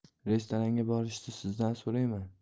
restaranga borishni sizdan so'rayman